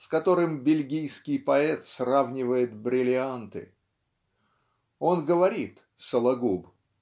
с которыми бельгийский поэт сравнивает бриллианты. Он говорит, Сологуб